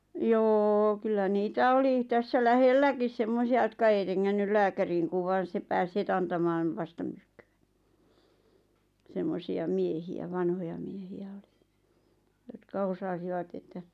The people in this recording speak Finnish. jo kyllä niitä oli tässä lähelläkin semmoisia jotka ei rengännyt lääkäriin kun vain se pääsi heti antamaan vastamyrkkyä semmoisia miehiä vanhoja miehiä oli jotka osasivat että